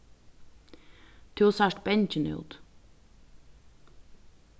tú sært bangin út